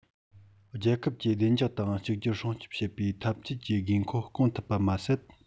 རྒྱལ ཁབ ཀྱི བདེ འཇགས དང གཅིག གྱུར སྲུང སྐྱོང བྱེད པའི འཐབ ཇུས ཀྱི དགོས མཁོ བསྐོང ཐུབ པ མ ཟད